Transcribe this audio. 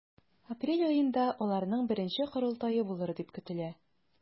Апрель аенда аларның беренче корылтае булыр дип көтелә.